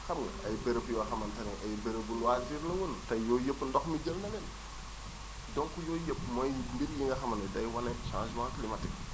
xam nga ay béréb yoo xamante ne ay bérébu loisir la woon tey yooyu yëpp ndox mi jël na leen donc yooyu yëpp mooy mbir mi nga xamante ni day wane changement climatique